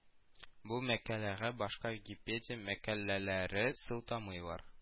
Бу мәкаләгә башка Википедия мәкаләләре сылтамыйлар